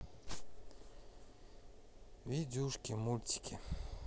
видюшки мультики